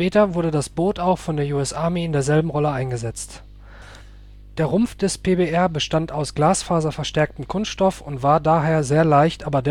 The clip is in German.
wurde das Boot auch von der US Army in derselben Rolle eingesetzt. 1 Technik 2 Einsatz 3 Trivia 4 Siehe auch 5 Weblinks Der Rumpf des PBR bestand aus glasfaserverstärktem Kunststoff und war daher sehr leicht, aber